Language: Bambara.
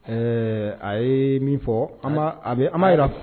Ɛɛ a ye min fɔ a bɛ an ma jira